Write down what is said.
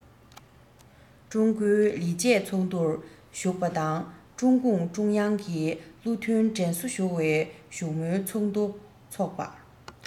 ཀྲང ཀའོ ལི བཅས ཚོགས འདུར ཞུགས པ དང ཀྲུང གུང ཀྲུང དབྱང གིས བློ མཐུན དྲན གསོ ཞུ བའི བཞུགས མོལ ཚོགས འདུ འཚོགས པ